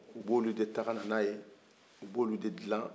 u b'olu de ta kana n'a ye u b'olu de dilan